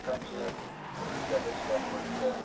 bir qancha qurilishlarda ishlab ko'ribdi